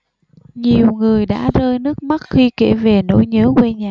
nhiều người đã rơi nước mắt khi kể về nỗi nhớ quê nhà